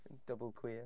Double queer.